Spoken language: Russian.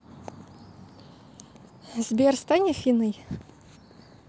сбер стань афиной